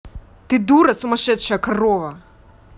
ты дура сумасшедшая корова